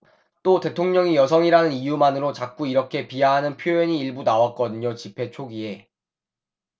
또 대통령이 여성이라는 이유만으로 자꾸 이렇게 비하하는 표현이 일부 나왔거든요 집회 초기에